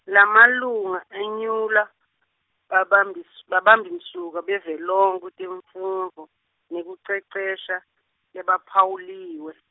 Lamalunga, enyulwa, babambis-, babambimsuka bavelonkhe kutemfundvo, nekucecesha, labaphawuliwe.